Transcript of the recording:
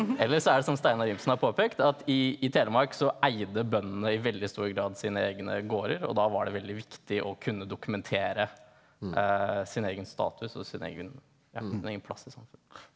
eller er det som Steinar Iversen har påpekt at i i Telemark så eide bøndene i veldig stor grad sine egne gårder, og da var det veldig viktig å kunne dokumentere sin egen status og sin egen ja sin egen plass i samfunnet.